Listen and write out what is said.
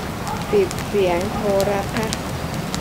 ปิดเสียงโทรทัศน์